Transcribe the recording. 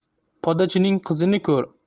podachining qizini ko'r